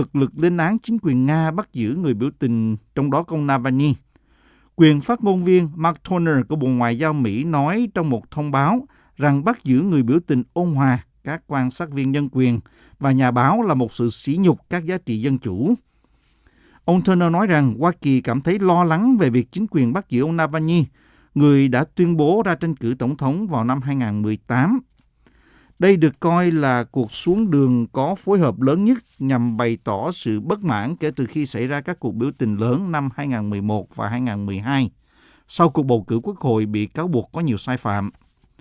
cực lực lên án chính quyền nga bắt giữ người biểu tình trong đó công na va ny quyền phát ngôn viên mác tôn nờ của bộ ngoại giao mỹ nói trong một thông báo rằng bắt giữ người biểu tình ôn hòa các quan sát viên nhân quyền và nhà báo là một sự sỉ nhục các giá trị dân chủ ông tôn nờ nói rằng hoa kỳ cảm thấy lo lắng về việc chính quyền bắt giữ ông na va ny người đã tuyên bố ra tranh cử tổng thống vào năm hai ngàn mười tám đây được coi là cuộc xuống đường có phối hợp lớn nhất nhằm bày tỏ sự bất mãn kể từ khi xảy ra các cuộc biểu tình lớn năm hai ngàn mười một và hai ngàn mười hai sau cuộc bầu cử quốc hội bị cáo buộc có nhiều sai phạm